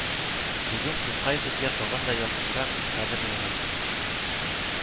Бүген Тукай безгә тагын да якынрак, кадерлерәк